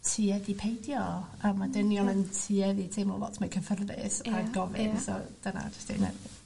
tueddu peidio a ma' dynion yn tueddu teimlo lot mae cyffyrddus a gofyn so dyna jyst un e-